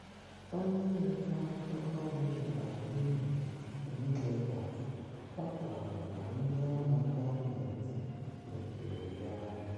Onye nta akụkọ bụ Vladimir Villegas katọrọ na ndị agha gọọmentị nwụchiri ya: